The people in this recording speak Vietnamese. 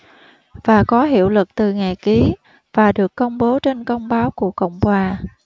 và có hiệu lực từ ngày ký và được công bố trên công báo của cộng hòa